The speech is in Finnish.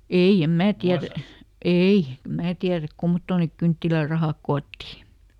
ei en minä tiedä ei en minä tiedä kummottoon ne kynttilärahat koottiin